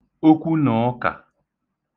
okwunụ̀ụkà